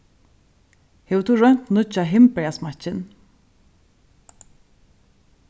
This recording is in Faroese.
hevur tú roynt nýggja hindberjasmakkin